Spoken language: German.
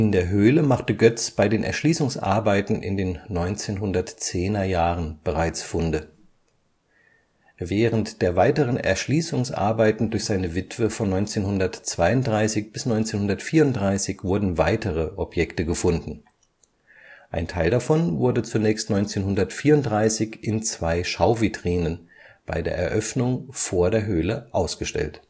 der Höhle machte Goetz bei den Erschließungsarbeiten in den 1910er-Jahren bereits Funde. Während der weiteren Erschließungsarbeiten durch seine Witwe von 1932 bis 1934 wurden weitere Objekte gefunden. Ein Teil davon wurde zunächst 1934 in zwei Schauvitrinen bei der Eröffnung vor der Höhle ausgestellt